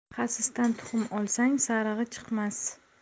xasisdan tuxum olsang sarig'i chiqmas